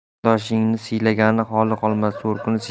qarindoshini siylagan xoli qolmas